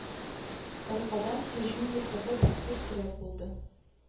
Аркадан һөҗүм юклыгы бик зур терәк булды